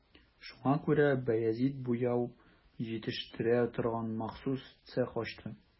Шуңа күрә Баязит буяу җитештерә торган махсус цех ачты.